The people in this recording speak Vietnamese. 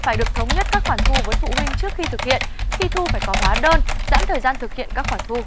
phải được thống nhất các khoản thu với phụ huynh trước khi thực hiện khi thu phải có hóa đơn giãn thời gian thực hiện các khoản thu